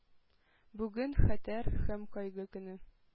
Бүген – Хәтер һәм кайгы көне.